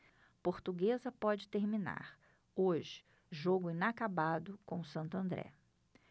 portuguesa pode terminar hoje jogo inacabado com o santo andré